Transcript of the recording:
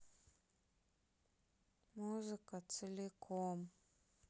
музыка целиком